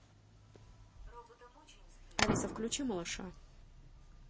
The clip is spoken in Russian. алиса включи малыша